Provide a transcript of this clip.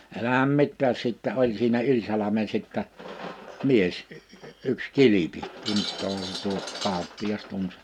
älähän mitään sitten oli siinä yli salmen sitten mies yksi Kilpi tunteehan se tuo kauppias tunsi